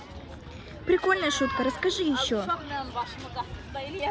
прикольная шутка расскажи еще